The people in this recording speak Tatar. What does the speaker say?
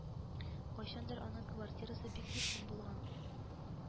Кайчандыр аның квартирасы бик иркен булган